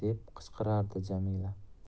deb qichqirardi jamila